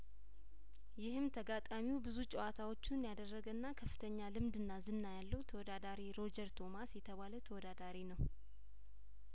ይህም ተጋጣሚው ብዙ ጨዋታዎችን ያደረገና ከፍተኛ ልምድና ዝና ያለው ተወዳዳሪ ሮጀር ቶማስ የተባለ ተወዳዳሪ ነው